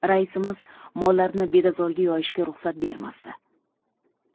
raisimiz mollarni bedazorga yoyishga ruxsat bermasdi